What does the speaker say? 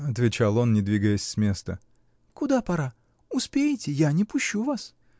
— отвечал он, не двигаясь с места. — Куда пора? Успеете — я не пущу вас.